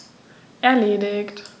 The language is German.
Erledigt.